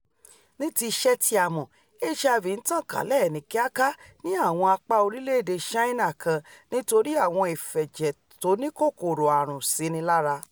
Níti ìṣe tí a mọ̀, HIV ńtàn kálẹ̀ ní kíakía ní àwọn apá orílẹ̀-èdè Ṣáínà kan nítorí àwọn ìfẹ̀jẹ̀tóníkòkòrò ààrùn sínilára.